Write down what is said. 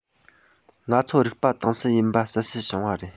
ང ཚོ རིག པ དྭངས གསལ ཡིན པ གསལ བཤད བྱུང བ རེད